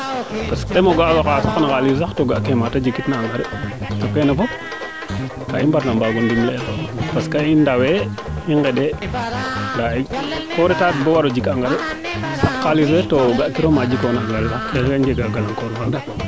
ten o ga oxa saq na xalis sax to ga kiro maate jikit na engrais keene fop ka i mbarna mbaago ndimle iro parce que i ndawe i ngendee ko reta ret bo waro jik engrais saq xalis fee to ga kiro ma jikoona kaa i njega galang koor faaga